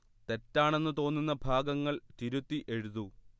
തെറ്റാണെന്ന് തോന്നുന്ന ഭാഗങ്ങൾ തിരുത്തി എഴുതൂ